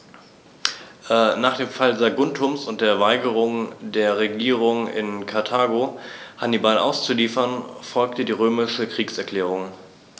Nach dem Fall Saguntums und der Weigerung der Regierung in Karthago, Hannibal auszuliefern, folgte die römische Kriegserklärung.